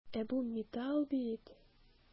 Ә бу металл бит!